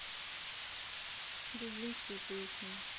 грузинские песни